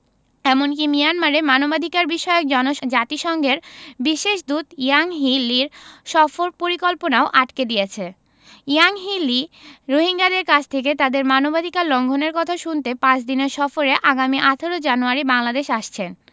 এমনকি মিয়ানমারে মানবাধিকারবিষয়ক জাতিসংঘের বিশেষ দূত ইয়াংহি লির সফর পরিকল্পনাও আটকে দিয়েছে ইয়াংহি লি রোহিঙ্গাদের কাছ থেকে তাদের মানবাধিকার লঙ্ঘনের কথা শুনতে পাঁচ দিনের সফরে আগামী ১৮ জানুয়ারি বাংলাদেশে আসছেন